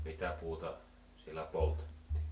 mitä puuta siellä poltettiin